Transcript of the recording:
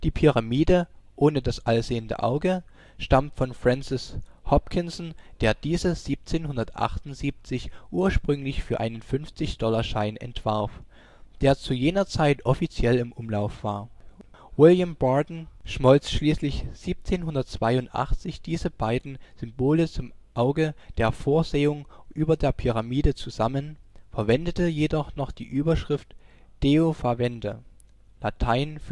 Pyramide (ohne das Allsehende Auge) stammt von Francis Hopkinson, der diese 1778 ursprünglich für einen 50-Dollar-Schein entwarf, der zu jener Zeit offiziell im Umlauf war. William Barton schmolz schließlich 1782 diese beiden Symbole zum Auge der Vorsehung über der Pyramide zusammen, verwendete jedoch noch die Überschrift Deo favente (lat.